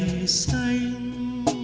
xanh